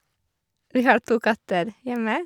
Vi har to katter hjemme.